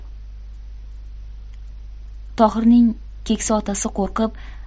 tohirning keksa otasi qo'rqib